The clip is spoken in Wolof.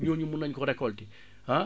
ñooñu mën nañu ko récolter ah